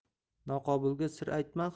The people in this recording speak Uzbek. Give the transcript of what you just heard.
noqobilga sir aytma